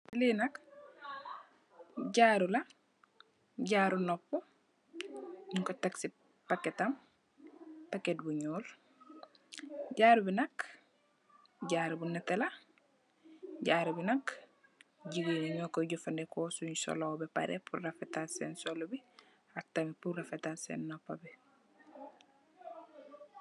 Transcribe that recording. Lii nak jaaru la, jaaru noopu, ñung ko tek si, pakketam, pakket bu ñuul, jaaru bi nak, jaaru bu nétté la, jaaru bi nak, jigéen ñu kooy jafëndekoo, suñ solo ba pare, rafetal seen soolu bi, ak tam rafetal seen noopu bi.